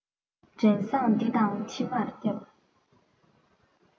བྲན བཟང འདི དང ཕྱི མར བསྐྱབས